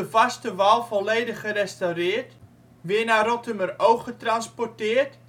vaste wal volledig gerestaureerd, weer naar Rottumeroog getransporteerd